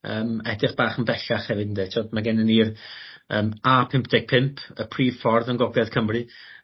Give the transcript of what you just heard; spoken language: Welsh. Yym edrych bach yn bellach hefyd ynde t'od ma' gennyn ni'r yym A pump deg pump. Y prif ffordd yn gogledd Cymru.